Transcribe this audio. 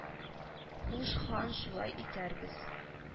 Хуш хан шулай итәрбез